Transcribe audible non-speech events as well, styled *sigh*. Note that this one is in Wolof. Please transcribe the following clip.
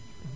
*hesitation* *hesitation*